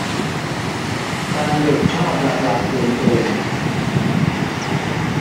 กลางดึกชอบหลับหลับตื่นตื่น